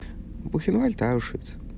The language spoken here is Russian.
бухенвальд аушвиц